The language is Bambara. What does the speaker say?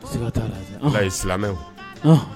Segu ala ye silamɛmɛ